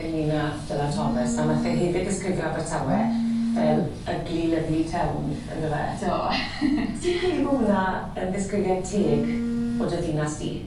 ...ynglŷn â Dylan Thomas a nath e hefyd disgrifio Abertawe fel ugly lovely town on'do fe? Do. Ti'n credu bo' wnna yn ddisgrifiad teg o dy ddinas di?